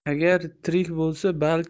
agar tirik bo'lsa balki